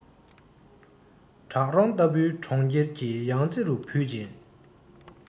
བྲག རོང ལྟ བུའི གྲོང ཁྱེར གྱི ཡང རྩེ རུ བུད ཅིང